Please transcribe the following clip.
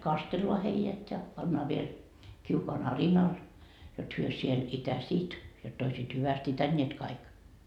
kastellaan heidät ja pannaan vielä kiukaan arinalle jotta he siellä itäisivät jotta olisivat hyvästi itäneet kaikki